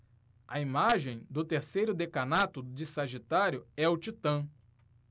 a imagem do terceiro decanato de sagitário é o titã